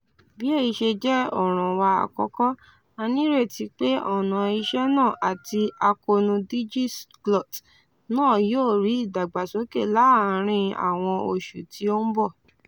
Bí èyí ṣe jẹ́ ọ̀ràn wa àkọ́kọ́, a ní ìrètí pé ọ̀nà ìṣe náà àti àkóónú DigiGlot náà yóò rí ìdàgbàsókè láàárín àwọn oṣù tí ó ń bọ̀.